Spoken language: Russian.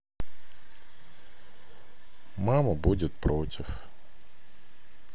мама будет против